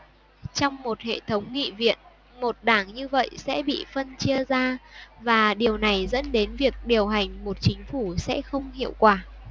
trong một hệ thống nghị viện một đảng như vậy sẽ bị phân chia ra và điều này dẫn đến việc điều hành một chính phủ sẽ không hiệu quả